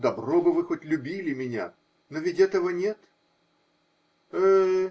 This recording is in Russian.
-- Добро бы вы хоть любили меня, но ведь этого нет? -- Э!